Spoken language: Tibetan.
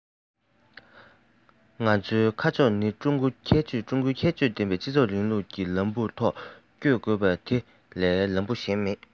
ང ཚོའི ཁ ཕྱོགས ནི ཀྲུང གོའི ཁྱད ཆོས ཀྱི སྤྱི ཚོགས རིང ལུགས ཀྱི ལམ བུའི ཐོག བསྐྱོད དགོས པ དེ ལས ལམ བུ གཞན མིན